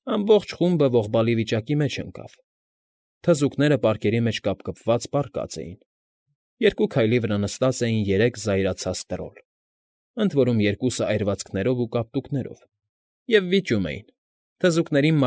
Ամբողջ խումբը ողբալի վիճակի մեջ ընկավ. թզուկները պարկերի մեջ կապկպված, պառկած էին, երկու քայլի վրա նստած էին երեք զայրացած տրոլ, ընդ որում երկուսը այրվածքներով ու կապտուկներով, և վիճում էին՝ թզուկներին։